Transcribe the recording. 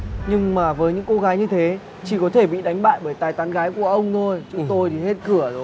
nhưng mà với những cô gái như thế chỉ có thể bị đánh bại bởi tài tán gái của ông thôi chứ tôi thì hết cửa rồi